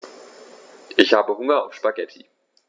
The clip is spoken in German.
Ich habe Hunger auf Spaghetti.